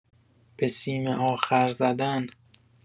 به سیم آخر زدن